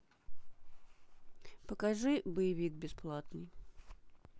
покажи боевик бесплатный